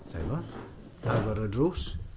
Saimo, agor y drws.